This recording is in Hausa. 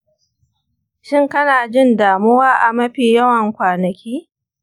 shin kana jin damuwa a mafi yawan kwanaki?